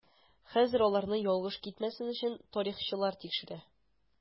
Хәзер аларны ялгыш китмәсен өчен тарихчылар тикшерә.